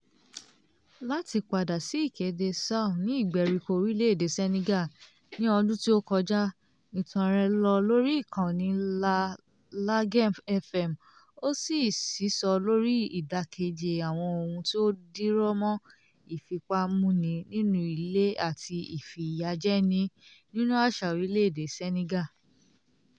Láti padà sí ìkéde Sow ní ìgbèríko orílẹ̀ èdè Senegal ní ọdún tí ó kọjá: ìtàn rẹ̀ lọ lórí ìkànnì La Laghem FM, ó sì sísọ lórí ìdákẹ́jẹ́ àwọn ohun tí o dìrọ̀ mọ́ ìfipámúni nínú ilé àti ìfìyàjẹni nínú àṣà orílẹ̀ èdè Senegal.